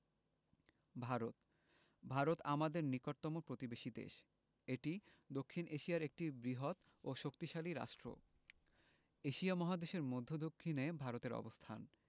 ভারতঃ ভারত আমাদের নিকটতম প্রতিবেশী দেশএটি দক্ষিন এশিয়ার একটি বৃহৎও শক্তিশালী রাষ্ট্র এশিয়া মহাদেশের মদ্ধ্য দক্ষিনে ভারতের অবস্থান